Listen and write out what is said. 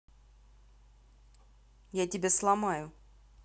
я тебя сломаю